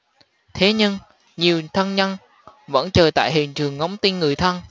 thế nhưng nhiều thân nhân vẫn chờ tại hiện trường ngóng tin người thân